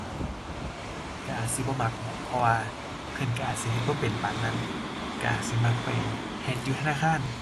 ก็อาจสิบ่มักดอก เพราะว่าเพิ่นก็อาจสิเฮ็ดบ่เป็นปานนั้น ก็อาจสิมักไปเฮ็ดอยู่ธนาคาร